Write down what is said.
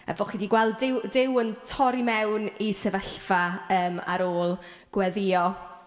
Bo' chi 'di gweld Duw Duw yn torri mewn i sefyllfa, yym, ar ôl gweddïo.